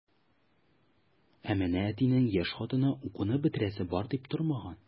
Ә менә әтинең яшь хатыны укуны бетерәсе бар дип тормаган.